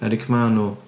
Eric Manu.